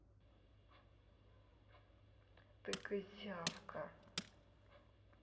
ты козявка